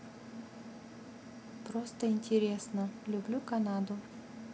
просто интересно люблю канаду